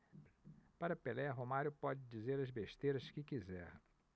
para pelé romário pode dizer as besteiras que quiser